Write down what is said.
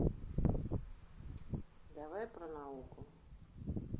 давай про науку